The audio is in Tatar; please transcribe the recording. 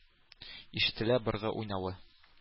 Ишетелә быргы уйнавы.